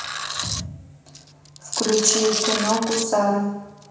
включи кино гусары